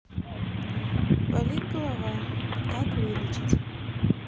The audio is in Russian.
болит голова как вылечить